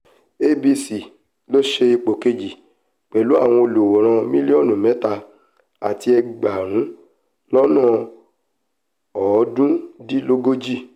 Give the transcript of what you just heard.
ABC ló ṣe ipò kejì pẹ̀lú àwọn olùwòran mílíọ̀nù mẹ́ta àti ẹgbẹ̀rún lọ́nà ọ̀ọ́dúndínlógójì.